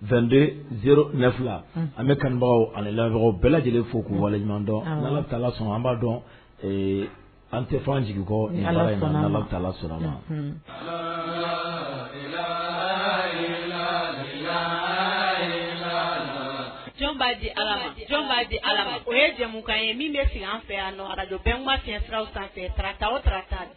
Vtez ne fila an bɛ kanubagaw alelaɔgɔ bɛɛ lajɛlen fo k'u wale ɲɔgɔndɔn ala t' son an b'a dɔn an tɛ fɛn jiginkɔ ala alala sma jɔn' di ala jɔn' di ala o ye jamumukan ye min bɛ si an fɛ yanj bɛ ka si sira sanfɛta sarataz